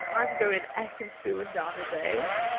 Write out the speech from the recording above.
I'm going Ekin-Su and Davide.